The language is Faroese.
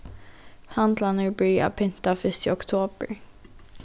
handlarnir byrja at pynta fyrst í oktobur